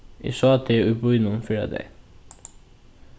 eg sá teg í býnum fyrradagin